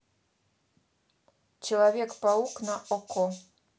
человек паук на окко